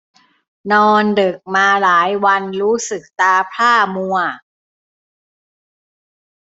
นอนดึกมาหลายวันรู้สึกตาพร่ามัว